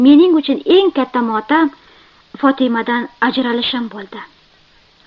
mening uchun eng katta motam fotimadan ajralishim bo'ldi